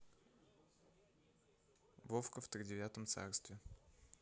вовка в тридевятом царстве